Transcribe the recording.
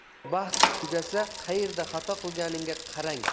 agar baxt tugasa qayerda xato qilganingga qarang